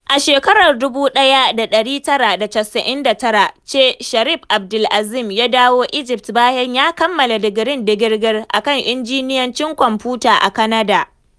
A shekarar 1999 ce Sharif Abdel-Azim ya dawo Egypt bayan ya kammala digirin digirgir a kan Injinyancin Kwamfuta a Canada.